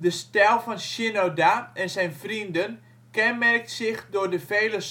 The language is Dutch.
stijl van Shinoda en zijn vrienden kenmerkt zich door de vele